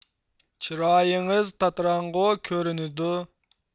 چىرايىڭىز تاتىراڭغۇ كۆرۈنىدۇ